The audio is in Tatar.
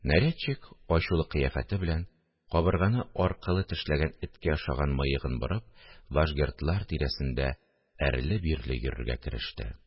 Нарядчик ачулы кыяфәте белән, кабырганы аркылы тешләгән эткә охшаган мыегын борып, вашгердлар тирәсендә әрле-бирле йөрергә кереште